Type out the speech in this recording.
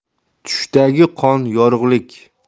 tushdagi qon yorug'lik